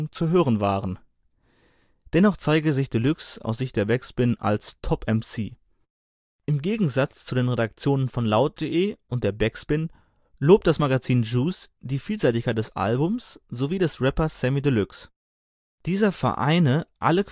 zu hören waren. Dennoch zeige sich Deluxe aus Sicht der Backspin als „ Top-MC “. Im Gegensatz zu den Redaktionen von Laut.de und der Backspin, lobt das Magazin Juice die Vielseitigkeit des Albums sowie des Rappers Samy Deluxe. Dieser vereine alle